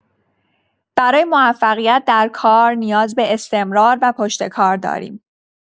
برای موفقیت در کار نیاز به استمرار و پشتکار داریم.